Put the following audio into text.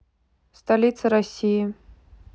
столица россии